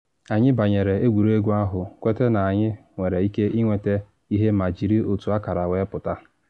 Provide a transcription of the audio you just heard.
“Anyị banyere egwuregwu ahụ kwete na anyị nwere ike ịnwete ihe ma jiri otu akara wee pụta.